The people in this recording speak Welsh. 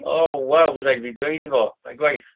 O, waw, bydd raid i fi dweud i fo yn y gwaith.